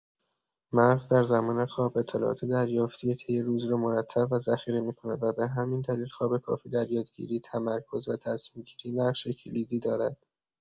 مغز در زمان خواب، اطلاعات دریافتی طی روز را مرتب و ذخیره می‌کند و به همین دلیل خواب کافی در یادگیری، تمرکز و تصمیم‌گیری نقش کلیدی دارد.